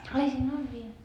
ai siinä on vielä